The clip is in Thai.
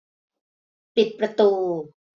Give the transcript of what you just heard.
ปิดประตู